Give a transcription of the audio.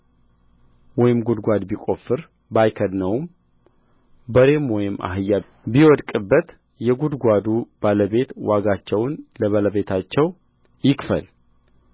ወይም ጕድጓድ ቢቈፍር ባይከድነውም በሬም ወይም አህያ ቢወድቅበት የጕድጓዱ ባለቤት ዋጋቸውን ለባለቤታቸው ይክፈል